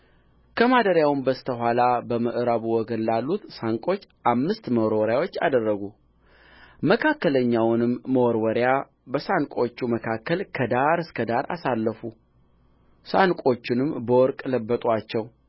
ከማደሪያውም በስተ ኋላ በምዕራቡ ወገን ላሉት ሳንቆች አምስት መወርወሪያዎች አደረጉ መካከለኛውንም መወርወሪያ በሳንቆቹ መካከል ከዳር እስከ ዳር አሳለፉ ሳንቆቹንም በወርቅ ለበጡአቸው